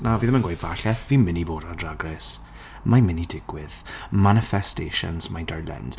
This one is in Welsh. Na, fi ddim yn gweud 'falle'. Fi'n mynd i bod ar Drag Race. Mae'n mynd i digwydd. Manifestations, my darlings.